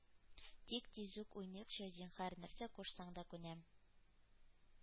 Тик тизүк уйныйкчы, зинһар, нәрсә кушсаң да күнәм.